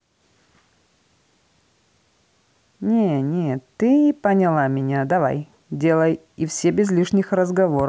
не не ты поняла меня давай делай и все без лишних разговоров